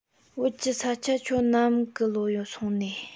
བོད གི ས ཆ ཁྱོད ནམ གི ལོ སོང ནིས